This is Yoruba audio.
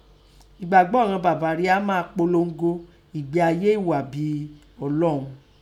Ẹ̀gbagbo íghan baba ria a máa polongo ẹgbẹ́ aye ẹ̀gha bin Oloun.